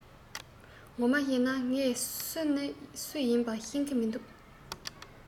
ངོ མ གཤས ན ངས སུ ནི སུ ཡིན པ ཤེས གི མི འདུག